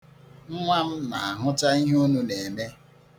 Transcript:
Nwa m na-ahụcha ihe unu na-eme.